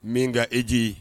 Min ka e jigi